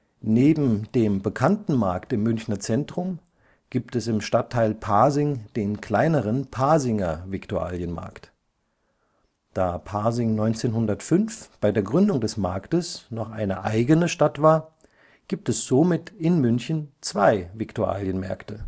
Neben dem bekannten Markt im Münchner Zentrum gibt es im Stadtteil Pasing den kleineren Pasinger Viktualienmarkt. Da Pasing 1905, bei der Gründung des Marktes, noch eine eigene Stadt war, gibt es somit in München zwei Viktualienmärkte